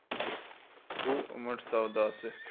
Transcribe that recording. bu umr savdosi